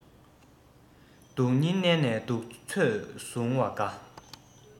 སྡུག སྙིང མནན ནས སྡུག ཚོད བཟུང བ དགའ